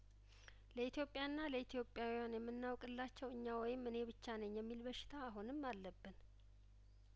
ለኢትዮጵያና ለኢትዮጵያውያን የምናውቅላቸው እኛ ወይም እኔ ብቻ ነኝ የሚል በሽታ አሁንም አለብን